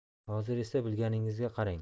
hozir esa bilagingizga qarang